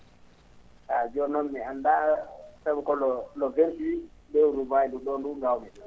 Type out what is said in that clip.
eeyi jooni noon mi annda taw ko le 28 lewru maayndu ?o nduu ngaawmi